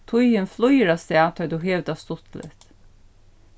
tíðin flýgur avstað tá ið tú hevur tað stuttligt